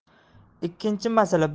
ikkinchi masala